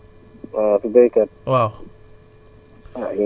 non tay Fatou Sow ñëwul tay ñu ngi si baykat yi tay